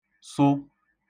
sụ